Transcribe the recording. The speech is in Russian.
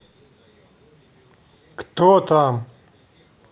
кто там